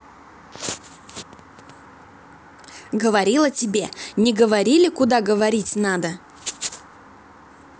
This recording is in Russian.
говорила тебе не говорили куда говорить надо